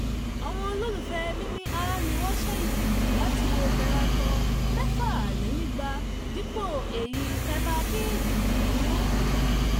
Àwọn olólùfẹ́ MMA ní wọ́n sàìsùn láti wo Bellator 206, dípò èyí Peppa Pig ní wọ́n wò